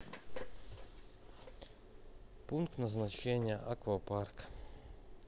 пункт назначения аквапарк